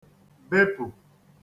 bepù